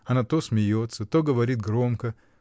Она то смеется, то говорит громко.